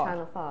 Channel 4